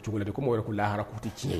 Cogodi di komo' lahara'u tɛ tiɲɛɲɛn ye